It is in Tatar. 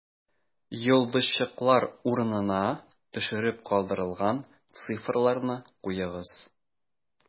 Йолдызчыклар урынына төшереп калдырылган цифрларны куегыз: